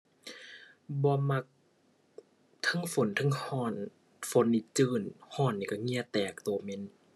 บ่มักเทิงฝนเทิงร้อนฝนนี่จื้นร้อนนี่ร้อนเหงื่อแตกร้อนเหม็น